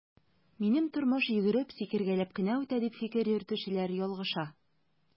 Минем тормыш йөгереп, сикергәләп кенә үтә, дип фикер йөртүчеләр ялгыша.